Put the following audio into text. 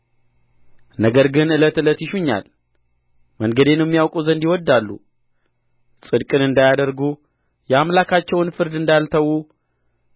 ነገር ግን ዕለት ዕለት ይሹኛል መንገዴንም ያውቁ ዘንድ ይወድዳሉ ጽድቅን እንዳደረጉ የአምላካቸውንም ፍርድ እንዳልተዉ